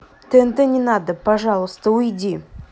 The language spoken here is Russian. тнт не надо пожалуйста уйди